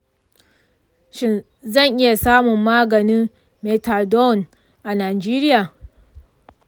shin zan iya samun maganin methadone a najeriya?